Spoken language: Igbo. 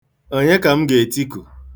Onye ka m ga-etiku?